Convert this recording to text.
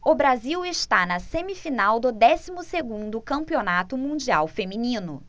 o brasil está na semifinal do décimo segundo campeonato mundial feminino